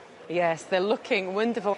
Yes they're looking wonderful.